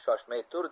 shoshmay tur